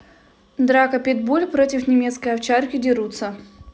драка питбуль против немецкой овчарки дерутся